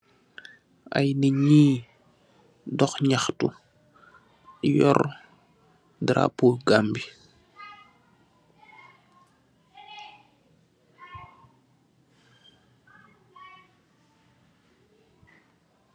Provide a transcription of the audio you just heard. Aye ninyii dokh nyakhtu, yu yorr daraapooh Gambi.